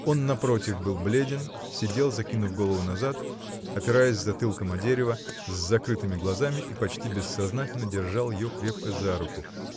Он, напротив, был бледен, сидел, закинув голову назад, опираясь затылком о дерево, с закрытыми глазами, и почти бессознательно держал ее крепко за руку.